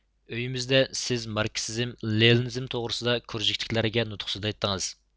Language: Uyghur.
ئۆيىمىزدە سىز ماركسىزم لېنىنىزم توغرىسىدا كۇرژۇكتىكىلەرگە نۇتۇق سۆزلەيتتىڭىز